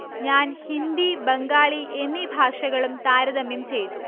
ഞാൻ ഹിന്ദി ബംഗാളി എന്നീ ഭാഷകളും താരതമ്യം ചെയ്തു